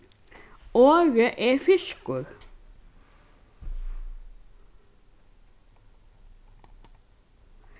orðið er fiskur